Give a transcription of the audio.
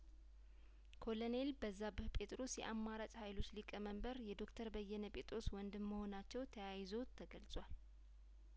ኮለኔል በዛብህ ጴጥሮስ የአማራጭ ሀይሎች ሊቀመንበር የዶክተር በየነ ጴጥሮስ ወንድም መሆናቸው ተያይዞ ተገልጿል